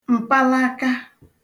m̀palaka